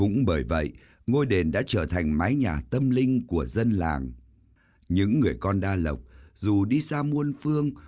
cũng bởi vậy ngôi đền đã trở thành mái nhà tâm linh của dân làng những người con đa lộc dù đi xa muôn phương